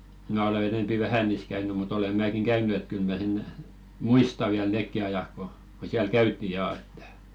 minä olen enempi vähän niissä käynyt mutta olen minäkin käynyt että kyllä minä sen muistan vielä nekin ajat kun kun siellä käytiin ja että